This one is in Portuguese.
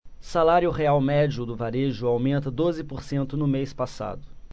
salário real médio do varejo aumenta doze por cento no mês passado